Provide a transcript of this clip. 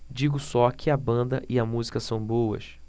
digo só que a banda e a música são boas